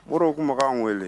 Ɔr' kumakan weele